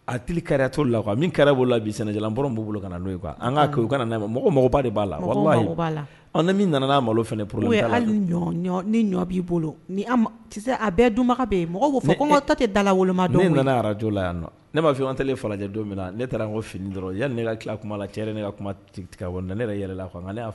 Bolo b'a la min nana malo hali b'i bolo a bɛɛ donbaga bɛ yen mɔgɔ fɔ ko ta tɛ da wolo dɔn nana araj la yan ne b'a fɔ antɛ falajɛ don min na ne taara n fini dɔrɔn yan ne ka tila kuma la cɛ ne ka kuma na ne yɛrɛ yɛlɛ